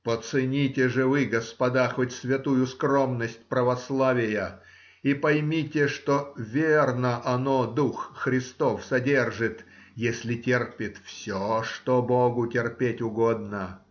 Поцените же вы, господа, хоть святую скромность православия и поймите, что верно оно дух Христов содержит, если терпит все, что богу терпеть угодно.